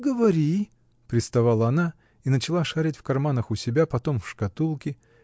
— Говори, — приставала она и начала шарить в карманах у себя, потом в шкатулке.